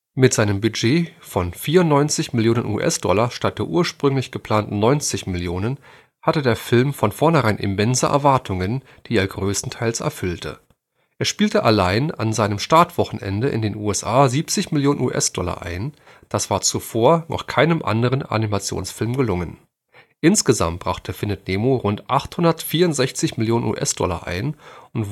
Mit seinem Budget von 94 Millionen US-Dollar, statt der ursprünglich geplanten 90 Millionen, hatte der Film von vornherein immense Erwartungen, die er größtenteils erfüllte. Er spielte allein an seinem Startwochenende in den USA 70 Millionen US-Dollar ein, das war zuvor noch keinem anderen Animationsfilm gelungen. Insgesamt brachte Findet Nemo rund 864 Millionen US-Dollar ein und wurde